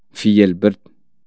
فيا لبرد